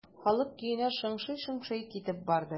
Халык көенә шыңшый-шыңшый китеп барды.